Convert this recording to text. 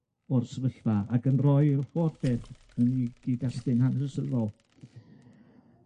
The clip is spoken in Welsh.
o'r sefyllfa ac yn roi'r holl beth yn 'i gyd-destun hanesyddol.